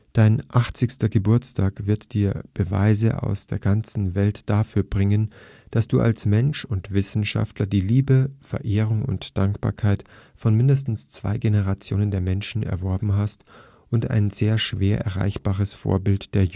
Dein 80. Geburtstag wird Dir Beweise aus der ganzen Welt dafür bringen, dass Du als Mensch und Wissenschaftler die Liebe, Verehrung und Dankbarkeit von mindestens zwei Generationen der Menschen erworben hast und ein sehr schwer erreichbares Vorbild der